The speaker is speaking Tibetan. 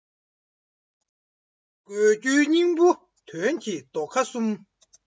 དགོས རྒྱུའི སྙིང པོ དོན གྱི རྡོ ཁ གསུམ